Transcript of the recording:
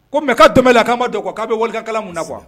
Ko mɛ ka dɛmɛ la k' dɔn kɔ k'a bɛ warikala mun na kuwa